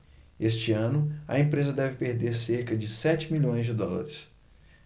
este ano a empresa deve perder cerca de sete milhões de dólares